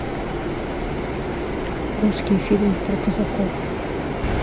русские фильмы про казаков